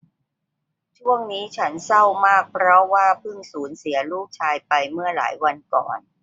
ช่วงนี้ฉันเศร้ามากเพราะว่าพึ่งสูญเสียลูกชายไปเมื่อหลายวันก่อน